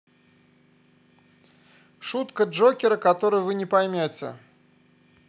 шутка джокера которую вы не поймете